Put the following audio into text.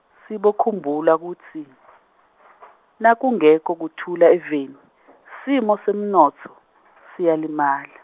Sibokhumbula kutsi nakungekho kutfula eveni simo semnontfo siyalimala.